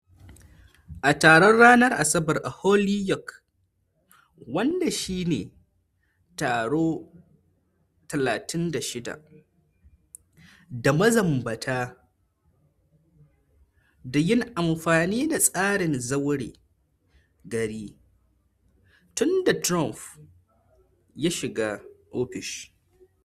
A taron ranar Asabar a Holyoke wanda shi ne taro 36 da mazabanta da yin amfani da tsarin zaure gari tun da Trump ya shiga ofishi.